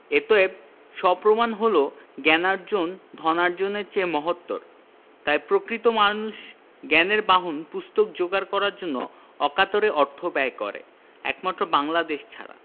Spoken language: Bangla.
এতএব সপ্রমাণ হল জ্ঞানার্জন ধনার্জনের চেয়ে মহত্তর তাই প্রকৃত মানুষ জ্ঞানের বাহন পুস্তক যোগাড় করার জন্য অকাতরে অর্থ ব্যয় করে একমাত্র বাংলাদেশ ছাড়া